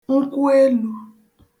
nkwụelū